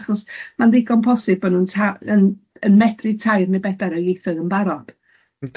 achos mae'n ddigon posib bod nhw'n ta- yn yn medru tair neu bedair o ieithoedd yn barod.